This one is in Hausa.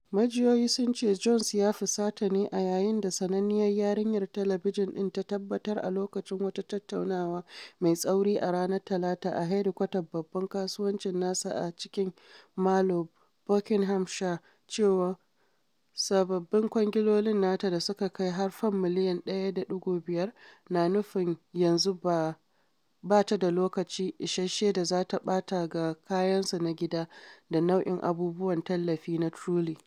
Majiyoyi sun ce Jones ya ‘fusata’ ne a yayin da sananniyar yarinyar talabijin ɗin ta tabbatar a lokacin wata tattaunawa mai tsauri a ranar Talata a hedikwatar babban kasuwancin nasa a cikin Marlow, Buckinghamshire, cewa sababbin kwangilolin nata - da suka kai har Fam miliyan 1.5 - na nufin yanzu ba ta da lokaci isasshe da za ta ɓata ga kayansu na gida da nau’in abubuwan tallafi na Truly.